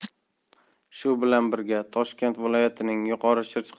shu bilan birga toshkent viloyatining yuqori chirchiq